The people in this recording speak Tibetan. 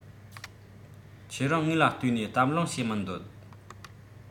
ཁྱེད རང ངོས ལ ལྟོས ནས གཏམ གླེང བྱེད མི འདོད